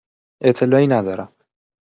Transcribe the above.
اطلاعی ندارم